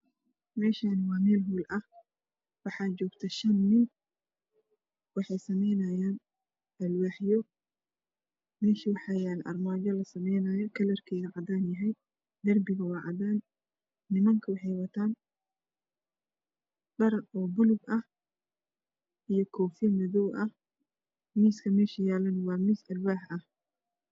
Meeshaan waa meel hool ah waxaa joogo shan nin waxay sameynaayaan alwaax. Meesha waxaa yaalo armaajo lasameynayo kalarkeedu waa cadaan. Darbiguna waa cadaan. Nimanku waxay wataan dhar buluug ah iyo koofi madow ah miiskana waa alwaax.